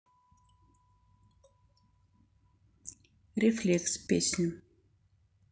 reflex песня